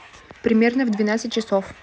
примерно в двенадцать часов